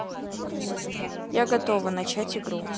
я готова начать игру